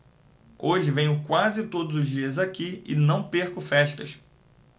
hoje venho quase todos os dias aqui e não perco festas